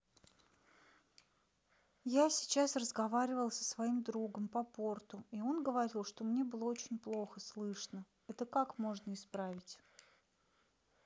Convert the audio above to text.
я сейчас разговаривала со своим другом по порту и он говорил что мне было очень плохо слышно это как можно исправить